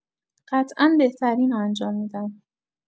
قطعا بهترینو انجام می‌دم.